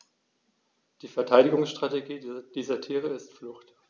Die Verteidigungsstrategie dieser Tiere ist Flucht.